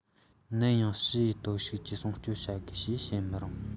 ནམ ཡང ཕྱིའི སྟོབས ཤུགས ཀྱིས སྲུང སྐྱོང བྱ དགོས ཞེས བཤད མི རུང